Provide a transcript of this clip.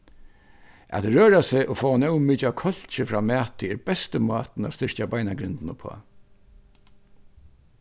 at røra seg og fáa nóg mikið av kálki frá mati er besti mátin at styrkja beinagrindina uppá